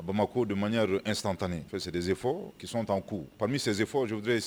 Bamakɔ don manyae san tan fɛsɛdsefɔ ki tan ku pami senfɔ